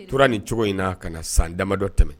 Tora nin cogo in na ka na san damadɔ tɛmɛn